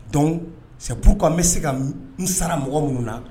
Dɔnku sɛ kan bɛ se ka n sara mɔgɔ minnu na